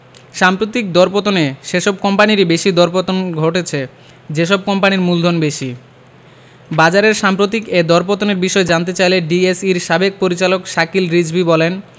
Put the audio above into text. সাম্প্রতিক দরপতনে সেসব কোম্পানিরই বেশি দরপতন ঘটেছে যেসব কোম্পানির মূলধন বেশি বাজারের সাম্প্রতিক এ দরপতনের বিষয়ে জানতে চাইলে ডিএসইর সাবেক পরিচালক শাকিল রিজভী বলেন